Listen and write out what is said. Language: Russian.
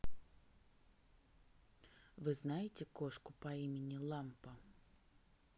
вы знаете кошку по имени лампа